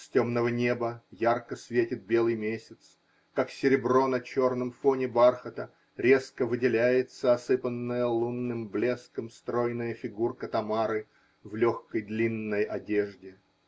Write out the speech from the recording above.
С темного неба ярко светит белый месяц: как серебро на черном фоне бархата, резко выделяется осыпанная лунным блеском стройная фигурка Тамары в легкой длинной одежде.